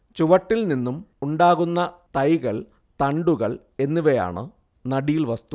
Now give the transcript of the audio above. ചുവട്ടിൽ നിന്നും ഉണ്ടാകുന്ന തൈകൾ തണ്ടുകൾ എന്നിവയാണ് നടീൽവസ്തുക്കൾ